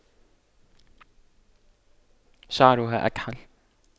شعرها أكحل